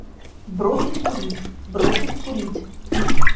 бросить курить бросить курить